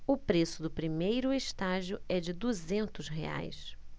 o preço do primeiro estágio é de duzentos reais